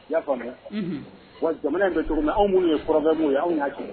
I y'a faamuya wa jamana in bɛ cogo min anw minnu yeɔrɔnfɛnmu ye anw y'a cɛ